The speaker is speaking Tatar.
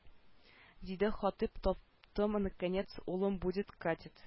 Диде хатыйп таптым наконец улым будет катет